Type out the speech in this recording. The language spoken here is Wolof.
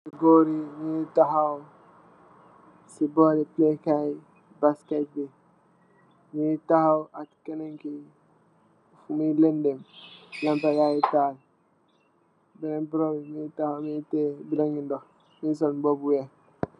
Goor nyungi takhaw ci bori play kaay basket. Nyungi takhaw ak kenen ki mungi len ndem lampa yangi tahal. Benen bro bangi takhaw teyeh bidong, sul mboba bu weex.